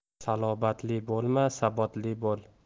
salobatli bo'lma sabotli bo'l